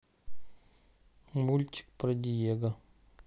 мультик про диего